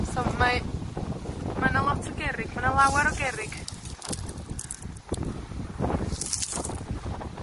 So mae, mae 'na lot o gerrig, ma' 'na lawer o gerrig.